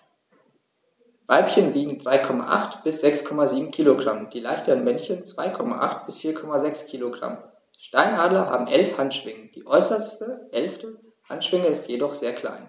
Weibchen wiegen 3,8 bis 6,7 kg, die leichteren Männchen 2,8 bis 4,6 kg. Steinadler haben 11 Handschwingen, die äußerste (11.) Handschwinge ist jedoch sehr klein.